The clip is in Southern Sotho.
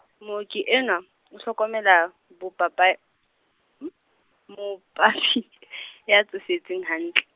mooki enwa, o hlokomela bopapa, mopapi, ya tsofetseng hantle.